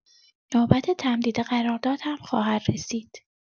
نوبت تمدید قرارداد هم خواهد رسید.